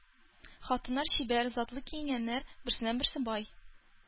Хатыннар чибәр, затлы киенгәннәр, берсеннән-берсе бай.